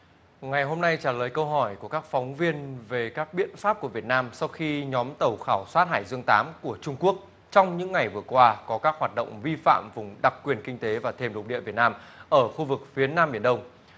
ngày hôm nay trả lời câu hỏi của các phóng viên về các biện pháp của việt nam sau khi nhóm tàu khảo sát hải dương tám của trung quốc trong những ngày vừa qua có các hoạt động vi phạm vùng đặc quyền kinh tế và thềm lục địa việt nam ở khu vực phía nam biển đông